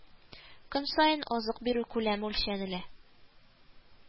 Көн саен азык бирү күләме үлчәнелә